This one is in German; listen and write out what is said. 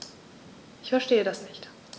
Ich verstehe das nicht.